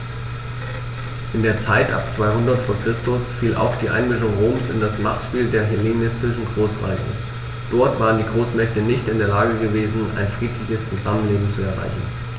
In die Zeit ab 200 v. Chr. fiel auch die Einmischung Roms in das Machtspiel der hellenistischen Großreiche: Dort waren die Großmächte nicht in der Lage gewesen, ein friedliches Zusammenleben zu erreichen.